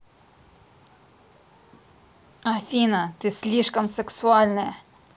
афина ты слишком сексуальная